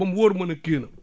ba mu wóor ma ne kii na